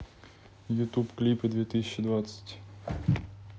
ютуб клипы две тысячи двадцать